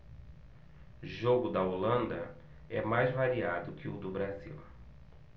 jogo da holanda é mais variado que o do brasil